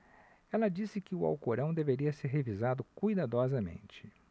ela disse que o alcorão deveria ser revisado cuidadosamente